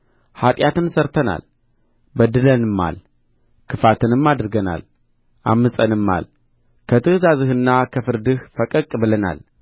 ኃጢአትን ሠርተናል በድለንማል ክፋትንም አድርገናል ዐምፀንማል ከትእዛዝህና ከፍርድህም ፈቀቅ ብለናል